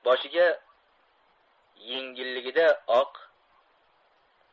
boshiga yangiligida oq